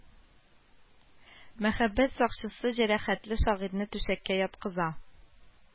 Мәхәббәт сакчысы җәрәхәтле шагыйрьне түшәккә яткыза